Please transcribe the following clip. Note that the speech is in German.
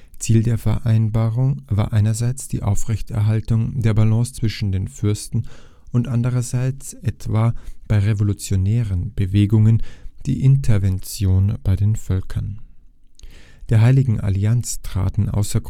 Ziel der Vereinbarung war einerseits die Aufrechterhaltung der Balance zwischen den Fürsten und andererseits etwa bei revolutionären Bewegungen die Intervention bei den Völkern. Der Heiligen Allianz traten außer